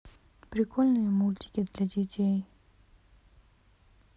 прикольные мультики для детей